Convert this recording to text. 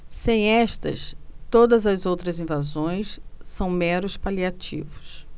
sem estas todas as outras invasões são meros paliativos